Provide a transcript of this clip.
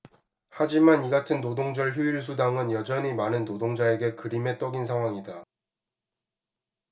하지만 이같은 노동절 휴일수당은 여전히 많은 노동자에게 그림의 떡인 상황이다